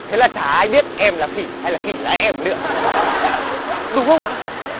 thế là chả ai biết em là khỉ hay là khỉ là em nữa đúng không ạ